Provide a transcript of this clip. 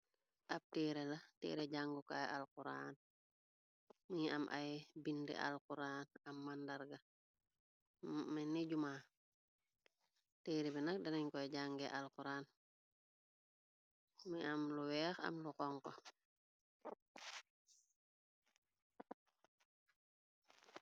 Ab teré la teré jangèè kay al kuraan mi am ay bindi al kuraan am mandarga meni juma. Teré bi nak danañ koy jange al xuraan mi am lu wèèx am lu xonxu.